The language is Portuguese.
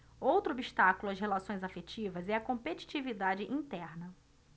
outro obstáculo às relações afetivas é a competitividade interna